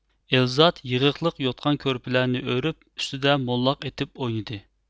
ئېلزاد يىغىقلىق يوتقان كۆرپىلەرنى ئۆرۈپ ئۈستىدە موللاق ئېتىپ ئوينىدى